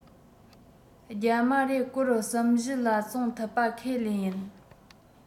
རྒྱ མ རེར གོར གསུམ བཞི ལ བཙོངས ཐུབ པ ཁས ལེན ཡིན